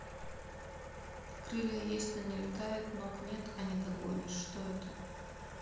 крылья есть но не летает ног нет а не догонишь что это